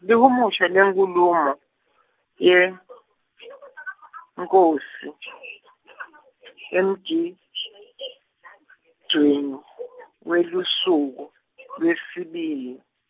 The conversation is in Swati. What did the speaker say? Lihumusho lenkhulumo, yenkhosi, emgidvweni, welusuku, lwesibili.